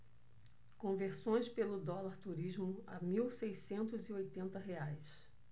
conversões pelo dólar turismo a mil seiscentos e oitenta reais